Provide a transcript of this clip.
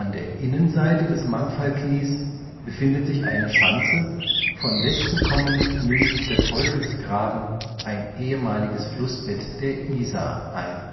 der Innenseite des „ Mangfallknies “befindet sich eine Schanze, von Westen kommend mündet der Teufelsgraben, ein ehemaliges Flussbett der Isar, ein